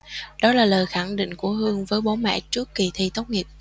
đó là lời khẳng định của hương với bố mẹ trước kỳ thi tốt nghiệp